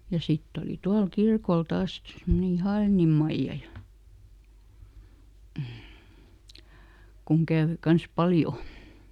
ja sitten oli tuolla kirkolla taas sitten semmoinen Ihaliinin Maija ja kun kävi kanssa paljon